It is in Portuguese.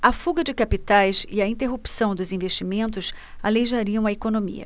a fuga de capitais e a interrupção dos investimentos aleijariam a economia